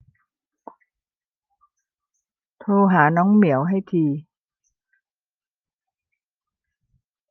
โทรหาน้องเหมียวให้ที